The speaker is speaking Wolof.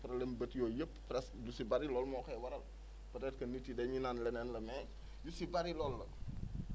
problème bët yooyu yëpp presque yu si bëri loolu moo ko waral peut être que nit yi dañu naan leneen la mais yu si bëri loolu la